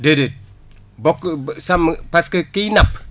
déedéet bokk sàmm parce que kiy napp